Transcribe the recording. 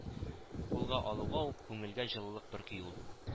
Кулга алуга ук күңелгә җылылык бөрки ул